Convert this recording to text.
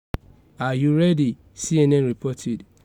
Are you ready?" CNN reported.